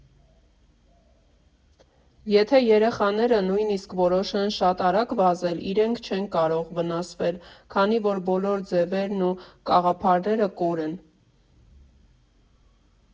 Եթե երեխաները նույնիսկ որոշեն շատ արագ վազել, իրենք չեն կարող վնասվել, քանի որ բոլոր ձևերն ու կաղապարները կոր են։